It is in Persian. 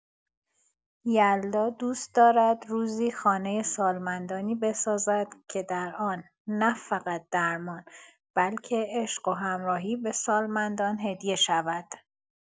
یلدا دوست دارد روزی خانه سالمندانی بسازد که در آن نه‌فقط درمان، بلکه عشق و همراهی به سالمندان هدیه شود.